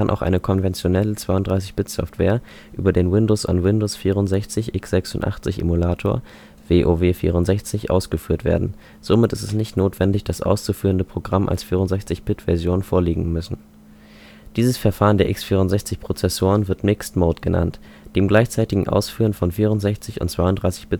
auch eine konventionelle 32-Bit-Software – über den Windows on Windows 64-x86-Emulator (WOW64) – ausgeführt werden. Somit ist es nicht notwendig, dass auszuführende Programme als 64-Bit-Versionen vorliegen müssen. Dieses Verfahren der x64-Prozessoren wird Mixed-Mode genannt – dem gleichzeitigen Ausführen von 64 - und 32-Bit-Software